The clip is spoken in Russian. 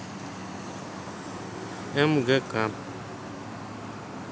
мгк